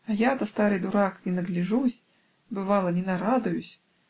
А я-то, старый дурак, не нагляжусь, бывало, не нарадуюсь